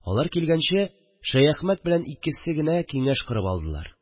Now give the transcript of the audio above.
Алар килгәнче Шәяхмәт белән икесе генә киңәш корып алдылар